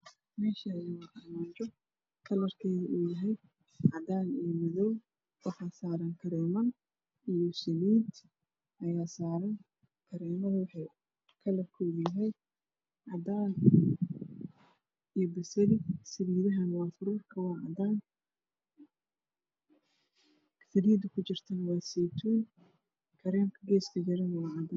Meshani waa armajo kalarkeedu yahay cadn iyo madoow waxaa saran kareeman iyo saliid kareemada kalarkoodu yahay cadan iyo basali furarka salidahana waa furarkoodu cadan salida ku jirtana waa saytuun kareemka geeska jirana waa cadan